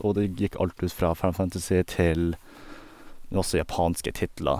Og det gikk alt ut fra Final Fantasy til masse japanske titler.